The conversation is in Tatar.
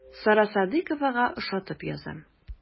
Сара Садыйковага ошатып язам.